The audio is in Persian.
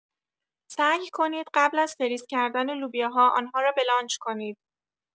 سعی کنید قبل از فریز کردن لوبیاها آنها را بلانچ کنید.